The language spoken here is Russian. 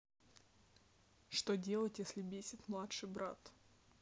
что делать если бесит младший брат